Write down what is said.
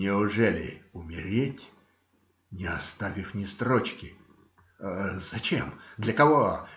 - Неужели умереть, не оставив ни строчки? - Зачем, для кого?